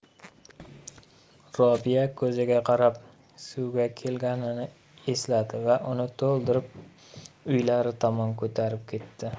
robiya ko'zaga qarab suvga kelganini esladi va uni to'ldirib uylari tomon ko'tarib ketdi